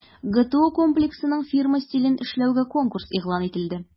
ГТО Комплексының фирма стилен эшләүгә конкурс игълан ителде.